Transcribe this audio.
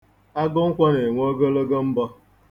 Agụnkwọ na-enwe ogologo mbọ.